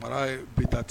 Mara bi taa ten